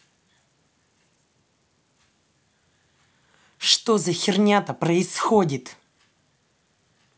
что за херня то происходит